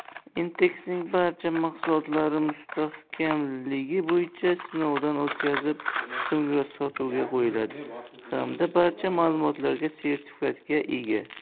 intex'ning barcha mahsulotlari mustahkamligi bo'yicha sinovdan o'tkazilib so'ngra sotuvga qo'yiladi hamda barcha mahsulotlar sertifikatga ega